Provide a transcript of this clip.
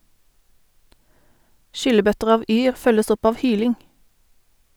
Skyllebøtter av yr følges opp av hyling.